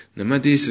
nima deysiz